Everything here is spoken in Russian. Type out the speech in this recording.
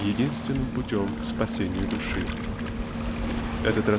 единственным путем к спасению души. Этот.